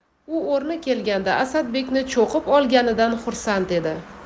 u o'rni kelganda asadbekni cho'qib olganidan xursand edi